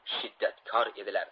shiddatkor edilar